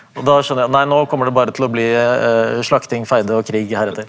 og da skjønner jeg nei nå kommer det bare til å bli slakting feide og krig heretter.